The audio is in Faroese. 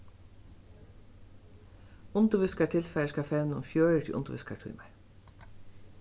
undirvísingartilfarið skal fevna um fjøruti undirvísingartímar